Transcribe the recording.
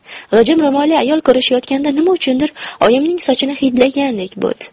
g'ijim ro'molli ayol ko'rishayotganda nima uchundir oyimning sochini hidlagandek bo'ldi